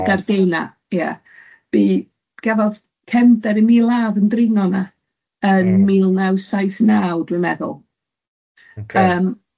Fel Gardeina ie. bu- gafodd cefndir ym mil a oedd yn dringo yna... Ie. ...yn mil naw saith naw dwi'n meddwl. Ocê. Yym.